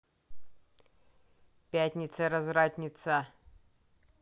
пятница развратница